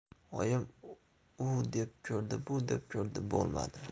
oyim u deb ko'rdi bu deb ko'rdi bo'lmadi